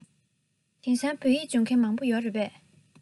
དེང སང བོད ཡིག སྦྱོང མཁན མང པོ ཡོད རེད པས